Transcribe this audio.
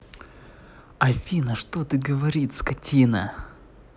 афина что ты говорит скотина